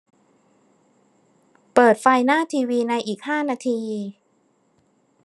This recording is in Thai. เปิดไฟหน้าทีวีในอีกห้านาที